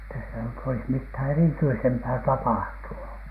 että sitä nyt olisi mitään erityisempää tapahtunut